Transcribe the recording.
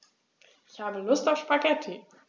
Ich habe Lust auf Spaghetti.